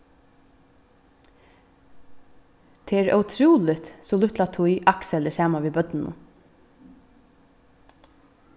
tað er ótrúligt so lítla tíð aksel er saman við børnunum